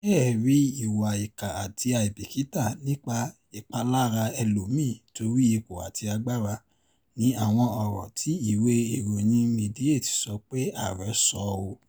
Ṣe ẹ rí ìwà ìkà àti àìbíkìtà nípa ìpalára ẹlòmíì torí ipò àti agbára,” ni àwọn ọ̀rọ̀ ti ìwé iroyin Mediaite sọ pé ààrẹ sọ́ ọ.